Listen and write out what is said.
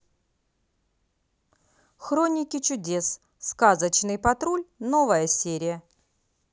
хроники чудес сказочный патруль новая серия